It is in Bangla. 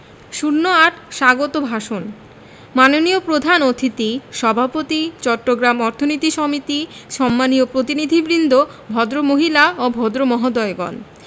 ০৮ স্বাগত ভাষণ মাননীয় প্রধান অতিথি সভাপতি চট্টগ্রাম অর্থনীতি সমিতি সম্মানীয় প্রতিনিধিবৃন্দ ভদ্রমহিলা ও ভদ্রমহোদয়গণ